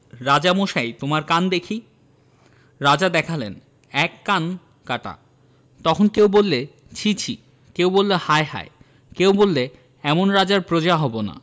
রাজামশাই তোমার কান দেখি রাজা দেখালেন এক কান কাটা তখন কেউ বললে ছি ছি' কেউ বললে হায় হায় কেউ বললে এমন রাজার প্ৰজা হব না